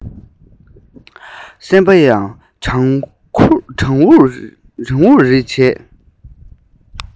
སེམས པ ཡང གྲང འུར རེ བྱས